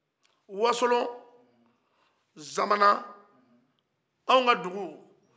wasolo zamana anw ka dugu